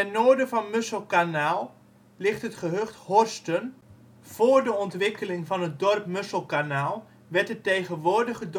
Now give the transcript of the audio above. noorden van Musselkanaal ligt het gehucht Horsten, voor de ontwikkeling van het dorp Musselkanaal werd het tegenwoordige